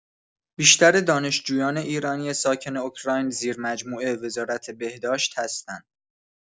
بیشتر دانشجویان ایرانی ساکن اوکراین زیرمجموعه وزارت بهداشت هستند.